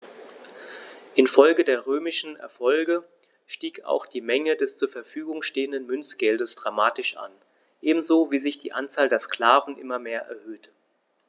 Infolge der römischen Erfolge stieg auch die Menge des zur Verfügung stehenden Münzgeldes dramatisch an, ebenso wie sich die Anzahl der Sklaven immer mehr erhöhte.